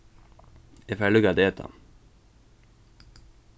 eg fari líka at eta